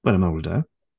When I'm older.